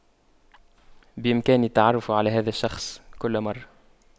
بإمكاني التعرف على هذا الشخص كل مرة